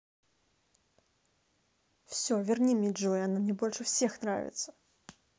все верни мне джой она мне больше всех нравится